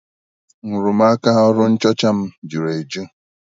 Nrụmaka ọrụ nchọcha m juru eju.